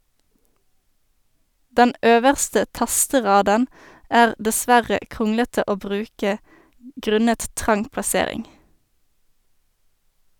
Den øverste tasteraden er dessverre kronglete å bruke grunnet trang plassering.